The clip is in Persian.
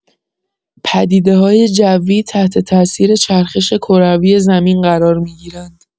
پدیده‌های جوی تحت‌تاثیر چرخش کروی زمین قرار می‌گیرند.